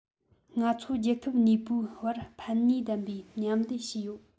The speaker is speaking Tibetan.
ང ཚོ རྒྱལ ཁབ གཉིས པོའི བར ཕན ནུས ལྡན པའི མཉམ ལས བྱས ཡོད